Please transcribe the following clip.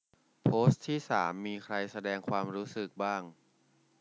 โพสต์ที่สามมีใครแสดงความรู้สึกบ้าง